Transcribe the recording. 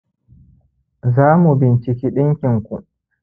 za mu binciki ɗinkin ku